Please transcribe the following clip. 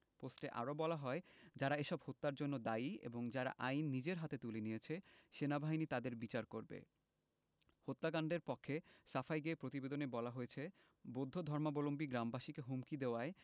পোস্টে আরো বলা হয় যারা এসব হত্যার জন্য দায়ী এবং যারা আইন নিজের হাতে তুলে নিয়েছে সেনাবাহিনী তাদের বিচার করবে হত্যাকাণ্ডের পক্ষে সাফাই গেয়ে প্রতিবেদনে বলা হয়েছে বৌদ্ধ ধর্মাবলম্বী গ্রামবাসীকে হুমকি দেওয়ায়